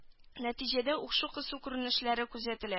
Нәтиҗәдә укшу косу күренешләре күзәтелә